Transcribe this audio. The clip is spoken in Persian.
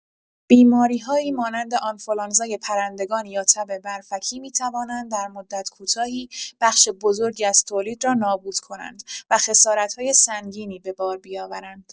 بیماری‌هایی مانند آنفولانزای پرندگان یا تب برفکی می‌توانند در مدت کوتاهی بخش بزرگی از تولید را نابود کنند و خسارت‌های سنگینی به بار بیاورند.